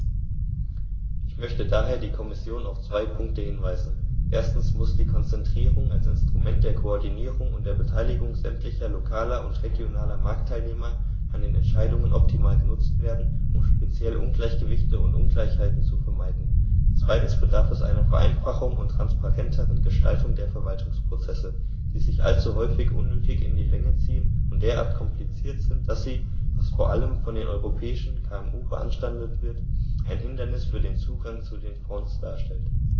Ich möchte daher die Kommission auf zwei Punkte hinweisen: Erstens muss die Konzertierung als Instrument der Koordinierung und der Beteiligung sämtlicher lokaler und regionaler Marktteilnehmer an den Entscheidungen optimal genutzt werden, um speziell Ungleichgewichte und Ungleichheiten zu vermeiden; zweitens bedarf es einer Vereinfachung und transparenteren Gestaltung der Verwaltungsprozesse, die sich allzu häufig unnötig in die Länge ziehen und derart kompliziert sind, dass sie, was vor allem von den europäischen KMU beanstandet wird, ein Hindernis für den Zugang zu den Fonds darstellen.